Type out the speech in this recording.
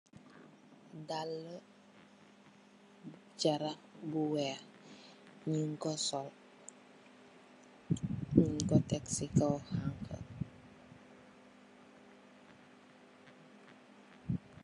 Dalla carax bu wèèx ñing ko sol, ñing ko tèk ci kaw xanxa.